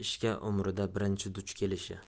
ishga umrida birinchi duch kelishi